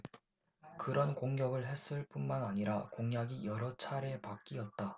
그런 공격을 했을 뿐만 아니라 공약이 여러 차례 바뀌었다